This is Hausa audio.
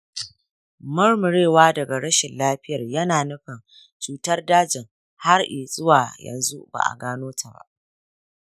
murmurewa daga rashin lafiyar yana nufin cutar dajin har izuwa yanxu ba'a gano ta ba.